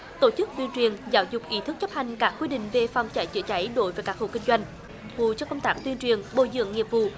tổ chức tuyên truyền giáo dục ý thức chấp hành các quy định về phòng cháy chữa cháy đối với các hộ kinh doanh vụ cho công tác tuyên truyền bồi dưỡng nghiệp vụ